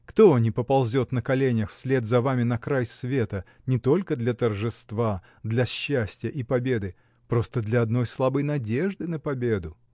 Кто не поползет на коленях вслед за вами на край света, не только для торжества, для счастья и победы — просто для одной слабой надежды на победу.